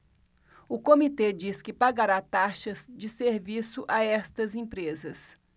o comitê diz que pagará taxas de serviço a estas empresas